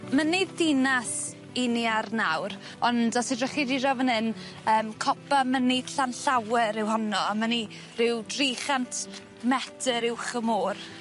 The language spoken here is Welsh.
Mynydd dinas 'yn ni ar nawr ond os edrychi di draw fyn 'yn yym copa mynydd Llanllawer yw honno a ma' ni ryw dri chant meter uwch y môr.